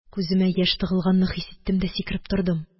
Күземә яшь тыгылганны хис иттем дә сикереп тордым